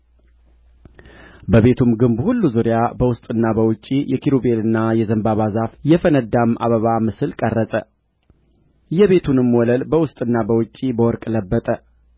በቤቱም ግንብ ሁሉ ዙሪያ በውስጥና በውጭ የኪሩቤልና የዘንባባ ዛፍ የፈነዳም አበባ ምስል ቀረጸ የቤቱንም ወለል በውስጥና በውጭ በወርቅ ለበጠ